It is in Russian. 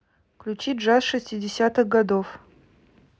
включи джаз шестидесятых годов